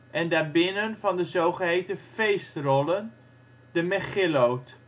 en daarbinnen van de zogeheten feestrollen, de Megillot